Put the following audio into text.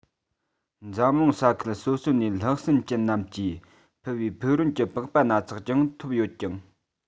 འཛམ གླིང ས ཁུལ སོ སོ ནས ལྷག སེམས ཅན རྣམས ཀྱིས ཕུལ བའི ཕུག རོན གྱི པགས པ སྣ ཚོགས ཀྱང ཐོབ ཡོད ཅིང